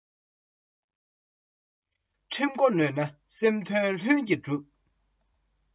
ཁྲིམས དང མཐུན ན རྒྱལ གཞིས མངའ ཐང ལྡན